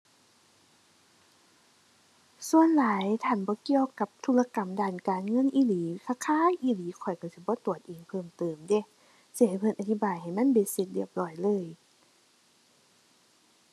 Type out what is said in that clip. ส่วนหลายถ้าหั้นบ่เกี่ยวกับธุรกรรมด้านการเงินอีหลี คักคักอีหลี ข้อยก็สิบ่ตรวจเองเพิ่มเติมเดะ สิให้เพิ่นอธิบายให้มันเบ็ดเสร็จเรียบร้อยเลย